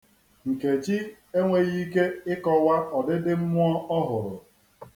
Nkechi enweghị ike ịkọwa ọdịdị mmụọ ọ hụrụ.